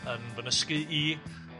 ...yn fy nysgu i ...